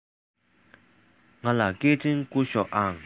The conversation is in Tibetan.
ང ལ སྐད འཕྲིན བསྐུར ཤོག ཨང